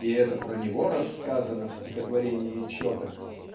и это про него рассказано в стихотворении "Четок" .